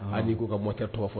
Hali n'i ko' ka moteur tɔgɔ fɔ